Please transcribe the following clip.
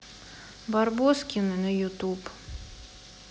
барбоскины на ютюб